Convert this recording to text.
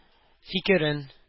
Фикерен